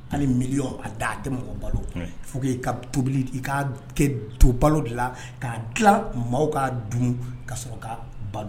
Hali ni miliy a da a tɛ mɔgɔ balo fo ka tobili i k'a kɛ to balo de la k' dila mɔgɔw kaa dun ka sɔrɔ ka balo